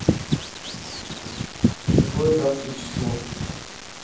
какое завтра число